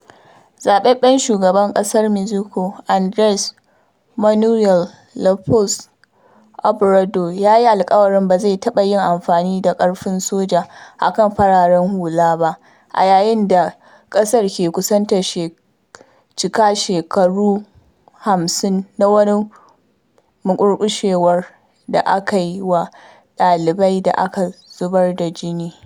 Zaɓaɓɓen Shugaban Ƙasar Mexico Andres Manuel Lopez Obrador ya yi alkawarin ba zai taɓa yin amfani da ƙarfin soja a kan fararen hula ba a yayin da ƙasar ke kusantar cika shekaru 50 na wani murƙushewar da aka yi wa ɗalibai da aka zubar da jini.